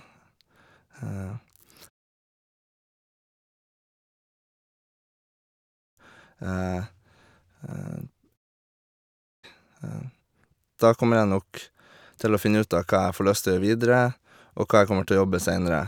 Da kommer jeg nok til å finne ut av hva jeg får lyst å gjøre videre, og hva jeg kommer til å jobbe seinere.